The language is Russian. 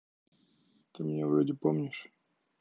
ты меня вроде помнишь